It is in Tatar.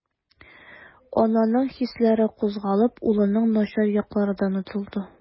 Ананың хисләре кузгалып, улының начар яклары да онытылды.